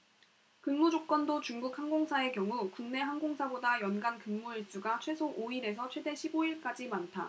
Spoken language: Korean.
근무조건도 중국 항공사의 경우 국내 항공사보다 연간 근무 일수가 최소 오 일에서 최대 십 오 일까지 많다